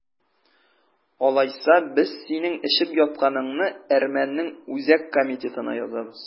Алайса, без синең эчеп ятканыңны әрмәннең үзәк комитетына язабыз!